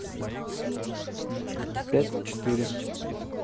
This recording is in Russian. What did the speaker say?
пять четыре